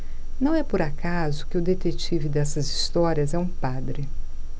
não é por acaso que o detetive dessas histórias é um padre